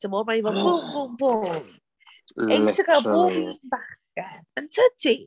Ti'n gwybod, mae hi fel boom, boom boom... Literally ...Eisiau cael bob un bachgen, yn tydi?